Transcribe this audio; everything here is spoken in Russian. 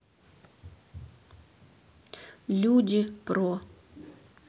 люди про